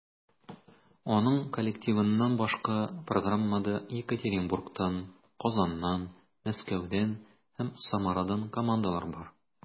Аның коллективыннан башка, программада Екатеринбургтан, Казаннан, Мәскәүдән һәм Самарадан командалар бар.